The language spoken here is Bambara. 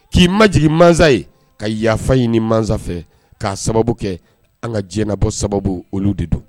K'i majigin mansa ye ka yafa ɲini mansa fɛ k'a sababu kɛ an ŋa diɲɛnabɔ sababu olu de don